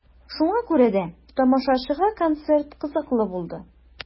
Шуңа күрә дә тамашачыга концерт кызыклы булды.